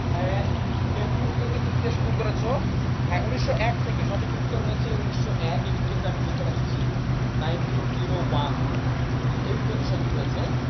হ্যাঁ কেউ কেউ উত্তর কিন্তু দিতে শুরু করেছো হাজার 901 থেকে হ্যাঁ সঠিক উত্তর হাজার 901 এই উত্তরটা আমি লিখে রাখছি নাইনটিন 01 এই উত্তরটি সঠিক হয়েছে